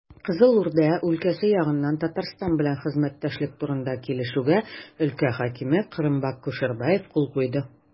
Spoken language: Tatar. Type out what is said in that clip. Кызыл Урда өлкәсе ягыннан Татарстан белән хезмәттәшлек турында килешүгә өлкә хакиме Кырымбәк Кушербаев кул куйды.